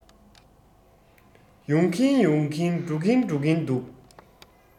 ཡོང གིན ཡོང གིན འགྲོ གིན འགྲོ གིན འདུག